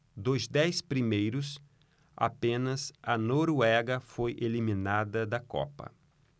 dos dez primeiros apenas a noruega foi eliminada da copa